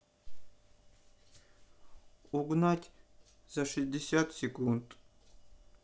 угнать за шестьдесят секунд